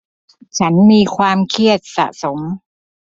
ฉันมีความเครียดสะสม